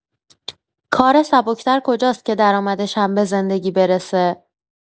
کار سبک‌تر کجاست که درآمدش هم به زندگی برسه؟